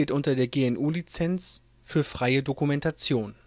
unter der GNU Lizenz für freie Dokumentation